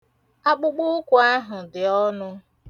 Akpụkpụụkwụ ahụ dị ọnụ.